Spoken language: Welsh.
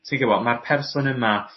ti gwbo ma'r person yma